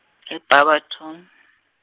e- Barberton.